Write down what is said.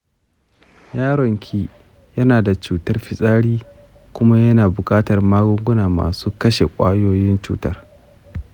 yaron ki yana da cutar fitsari kuma yana bukatar magunguna masu kashe kwayoyin cuta.